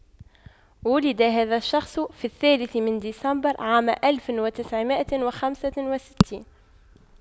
ولد هذا الشخص في الثالث من ديسمبر عام ألف وتسعمئة وخمسة وستين